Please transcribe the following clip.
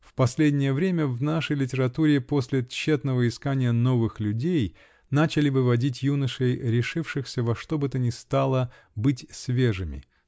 В последнее время в нашей литературе после тщетного искания "новых людей" начали выводить юношей, решившихся во что бы то ни стало быть свежими.